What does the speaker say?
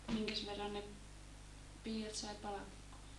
minkäs verran ne piiat sai palkkaa